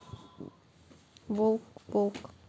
волк волк